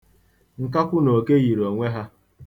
Nkakẉu na oke yiri onwe ha.